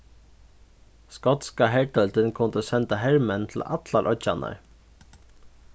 skotska herdeildin kundi senda hermenn til allar oyggjarnar